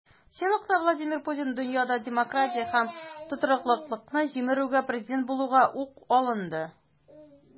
Чынлыкта Владимир Путин дөньяда демократия һәм тотрыклылыкны җимерүгә президент булуга ук алынды.